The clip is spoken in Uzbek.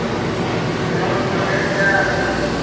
dunyo shunaqa ekan